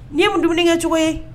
Nin ye mun dumunikɛcogo ye